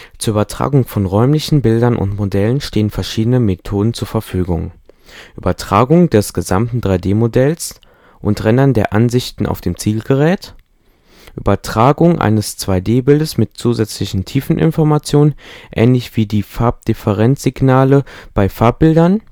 Zur Übertragung von räumlichen Bildern und Modellen stehen verschiedene Methoden zur Verfügung: Übertragung des gesamten 3-D-Modells (und Rendern der Ansichten auf dem Zielgerät) Übertragung eines 2-D-Bildes mit zusätzlichen Tiefeninformationen (ähnlich wie die Farbdifferenzsignale bei Farbbildern